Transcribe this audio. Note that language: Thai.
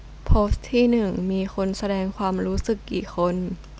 โพสต์ที่หนึ่งมีคนแสดงความรู้สึกกี่คน